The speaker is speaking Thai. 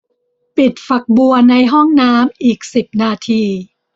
ปิดฝักบัวในห้องน้ำอีกสิบนาที